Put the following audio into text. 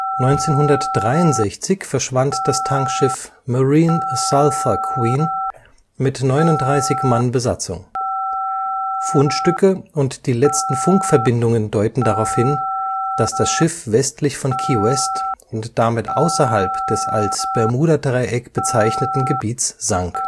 1963 verschwand das Tankschiff Marine Sulphur Queen mit 39 Mann Besatzung. Fundstücke und die letzten Funkverbindungen deuten darauf hin, dass das Schiff westlich von Key West und damit außerhalb des als Bermudadreieck bezeichneten Gebiets sank